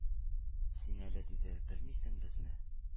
«син әле, диде, белмисең безнең